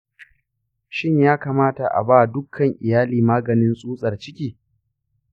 shin ya kamata a ba dukkan iyali maganin tsutsar ciki?